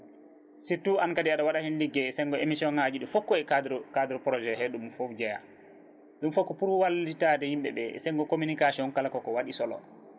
surtout an kadi aɗa waɗa hen ligguey e senggo émission ngaji ɗi foof ko cadre cadre projet he ɗum foof jeeya ɗum foof ko pour wallitade yimɓeɓe e senggo communication kala koko waɗi solo